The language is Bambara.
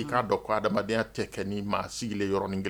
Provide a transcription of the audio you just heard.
I k'a dɔn ko hadamadenya tɛ kɛ ni maa sigilen yɔrɔnin kelen